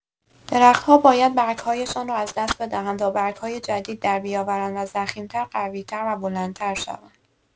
درخت‌ها باید برگ‌هایشان را از دست بدهند تا برگ‌های جدید دربیاورند و ضخیم‌تر، قوی‌تر و بلندتر شوند.